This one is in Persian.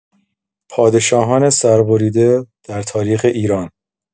پادشاهان سر بریده در تاریخ ایران